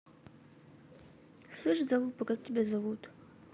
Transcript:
слышь залупа как тебя зовут